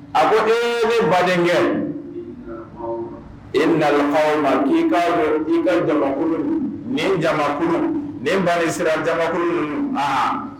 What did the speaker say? A ko ee ne badenkɛ e na hɔrɔn ma i ka i ka jakulu nin jamakulu ni ba siran jamakulu a